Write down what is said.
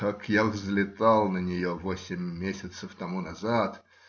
Как я взлетал на нее восемь месяцев тому назад!